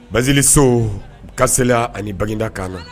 Bazalieliso ka seya ani bada kaana